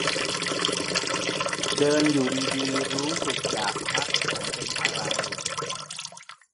เดินอยู่ดีดีรู้สึกอยากพักฉันเป็นอะไร